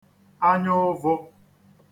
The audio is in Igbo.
anyaụ̄vụ̄